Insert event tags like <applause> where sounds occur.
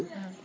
<hesitation> <hesitation>